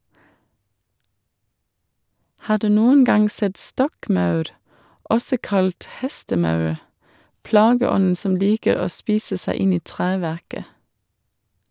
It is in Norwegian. Har du noen gang sett stokkmaur, også kalt hestemaur, plageånden som liker å spise seg inn i treverket?